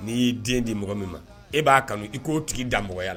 N'i y'i den di mɔgɔ min ma e b'a kanu i ko tigi dan mɔgɔyara la